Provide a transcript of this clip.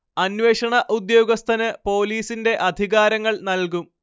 അന്വേഷണ ഉദ്യോഗസ്ഥന് പോലീസിന്റെ അധികാരങ്ങൾ നൽകും